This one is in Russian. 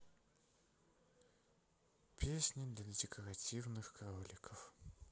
песни для декоративных кроликов